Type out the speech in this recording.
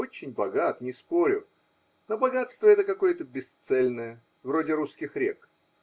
очень богат, не спорю, но богатство это какое-то бесцельное, вроде русских рек.